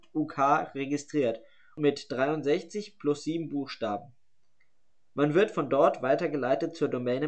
Llanfairpwllgwyngyllgogerychwyrndrobwllllantysiliogogogochuchaf.org.uk registriert mit 63 (+7) Buchstaben. Man wird von dort weiter geleitet zur Domäne